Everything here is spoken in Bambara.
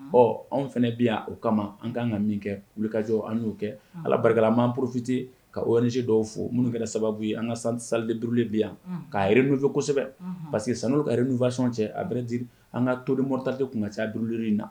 Ɔ anw fana bɛ yan o kama an k ka kan ka min kɛ wuli ka jɔ an y'o kɛ ala barikaman porofite ka oɔrɔnsin dɔw fo minnu kɛra sababu ye an ka saliurulen bi yan ka yɛrɛr n'u ye kosɛbɛ parce que sanu n'u kare nufasɔn cɛ a bɛd an ka to nimotali de tun ka cauru in na